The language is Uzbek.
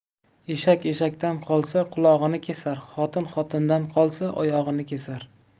eshak eshakdan qolsa qulog'ini kesar xotin xotindan qolsa oyog'ini kesar